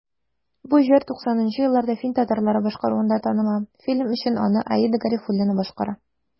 Бу җыр 90 нчы елларда фин татарлары башкаруында таныла, фильм өчен аны Аида Гарифуллина башкара.